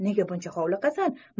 nega buncha hovliqasan